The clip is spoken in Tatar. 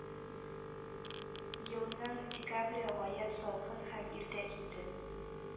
Елның декабре гаять салкын һәм иртә килде